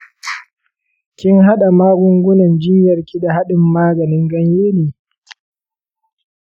kin hada magungunan jinyarki da hadin maganin ganye ne?